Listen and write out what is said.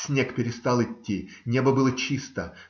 Снег перестал идти, небо было чисто